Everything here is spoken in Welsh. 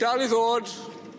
Dal i ddod.